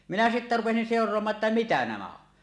minä sitten rupesin seuraamaan jotta mitä nämä on